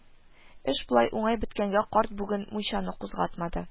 Эш болай уңай беткәнгә карт бүген мунчаны кузгатмады